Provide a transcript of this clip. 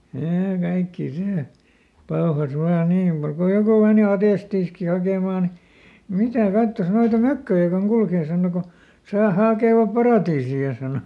ja kaikkia se pauhasi vain niin mutta kun joku meni atestiakin hakemaan niin mitä katsos noita mökköjä kun kulkee sanoi kun tuossa hakevat paratiisia sanoi